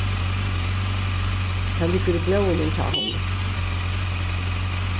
tað liggur í blóðinum hjá honum